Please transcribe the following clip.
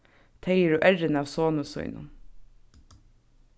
tey eru errin av soni sínum